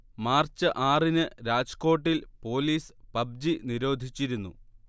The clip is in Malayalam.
മാർച്ച് ആറിന് രാജ്കോട്ടിൽ പോലീസ് പബ്ജി നിരോധിച്ചിരുന്നു